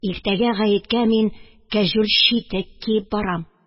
Иртәгә гаеткә мин кәҗүл читек киеп барам.